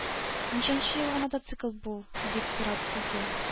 Ничәнче елгы мотоцикл бу? – дип сорады судья.